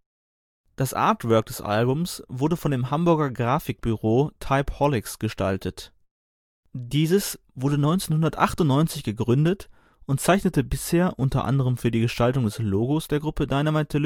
Das Artwork des Albums wurde von dem Hamburger Grafikbüro Typeholics gestaltet. Dieses wurde 1998 gegründet und zeichnete bisher unter anderem für die Gestaltung des Logos der Gruppe Dynamite